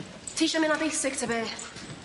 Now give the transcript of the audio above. Tisio myn' ar basic ta be'?